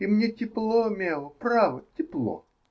И мне тепло, Мео, право, тепло".